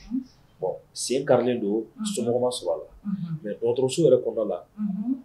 Sen karinen don so ma su mɛso yɛrɛ kɔ la